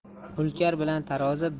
hulkar bilan tarozi